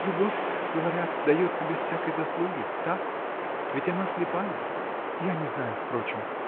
— Любовь, говорят, дается без всякой заслуги, так. Ведь она слепая!. Я не знаю, впрочем.